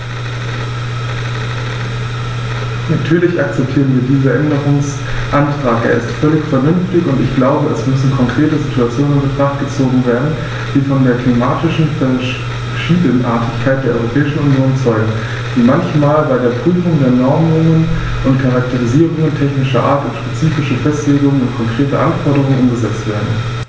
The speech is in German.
Natürlich akzeptieren wir diesen Änderungsantrag, er ist völlig vernünftig, und ich glaube, es müssen konkrete Situationen in Betracht gezogen werden, die von der klimatischen Verschiedenartigkeit der Europäischen Union zeugen, die manchmal bei der Prüfung der Normungen und Charakterisierungen technischer Art in spezifische Festlegungen und konkrete Anforderungen umgesetzt werden.